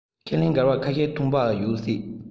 ཁས ལེན འགལ བ ཁ ཤས ཐོན པ ཡོད སྲིད